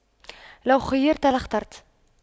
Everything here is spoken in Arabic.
لو خُيِّرْتُ لاخترت